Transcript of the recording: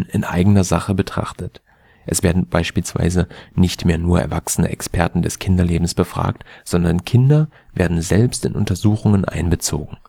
in eigener Sache “(3) betrachtet. Es werden beispielsweise nicht mehr nur erwachsene Experten des Kinderlebens befragt, sondern Kinder werden selbst in Untersuchungen einbezogen